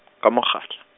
ka mogadi.